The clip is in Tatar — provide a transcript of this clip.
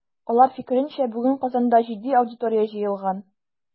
Алар фикеренчә, бүген Казанда җитди аудитория җыелган.